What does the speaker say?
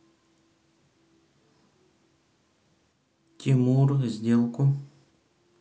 тимур сделку